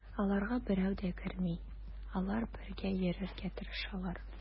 Аларга берәү дә керми, алар бергә йөрергә тырышалар.